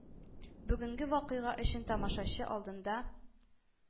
Бүгенге вакыйга өчен тамашачы алдында